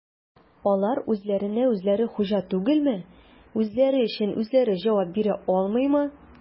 Алар үзләренә-үзләре хуҗа түгелме, үзләре өчен үзләре җавап бирә алмыймы?